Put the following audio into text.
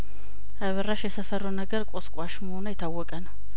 አበራሽ የሰፈሩ ነገር ቆስቋሽ መሆኗ የታወቀ ነው